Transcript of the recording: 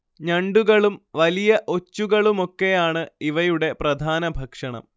ഞണ്ടുകളും വലിയ ഒച്ചുകളുമൊക്കെയാണ് ഇവയുടെ പ്രധാന ഭക്ഷണം